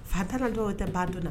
Fa tana doon o tɛ ban don na